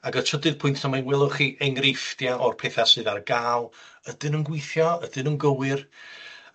Ag y trydydd pwynt a mi welwch chi enghreifftia' o'r petha sydd ar ga'l ydyn nw'n gweithio, ydyn nw'n gywir?